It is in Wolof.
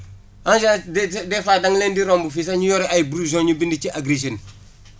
y' a dès dès fois danga leen di romb fii sax ñu yore ay boulousons ñu bind ci Agri Jeunes